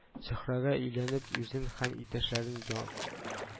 Зөһрәгә өйләнеп, үзен һәм иптәшләрен я